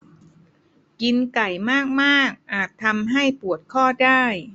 กินไก่มากมากอาจทำให้ปวดข้อได้